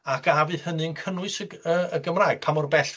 Ac a fydd hynny'n cynnwys y G- yy y Gymraeg, pa mor bell